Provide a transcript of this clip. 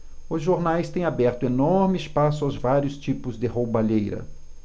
os jornais têm aberto enorme espaço aos vários tipos de roubalheira